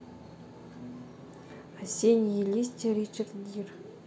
осенние листья ричард гир